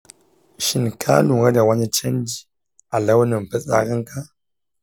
shin ka lura da wani canji a launin fitsarinka?